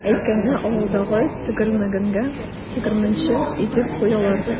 Әткәйне авылдагы тегермәнгә тегермәнче итеп куялар.